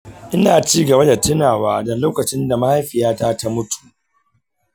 ina ci gaba da tunawa da lokacin da mahaifiyata ta mutu.